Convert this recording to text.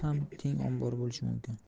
ham teng ombori bo'lishi mumkin